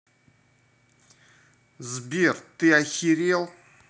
сбер ты охерел